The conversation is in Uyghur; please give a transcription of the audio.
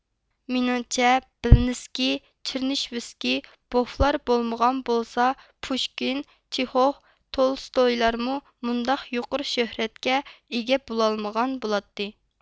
مېنىڭچە بىلنىسكى چىرنېشۋسكى بوفلار بولمىغان بولسا پۇشكىنچىخوف تولستويلارمۇ مۇنداق يۇقىرى شۆھرەتكە ئىگە بولالمىغان بولاتتى